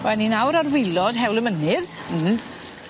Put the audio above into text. Wel ni nawr ar wilod Hewl y Mynydd. M-hm.